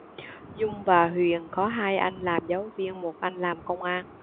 dung và huyền có hai anh làm giáo viên một anh làm công an